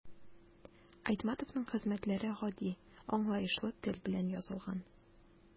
Айтматовның хезмәтләре гади, аңлаешлы тел белән язылган.